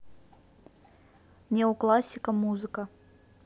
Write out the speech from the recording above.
неоклассика музыка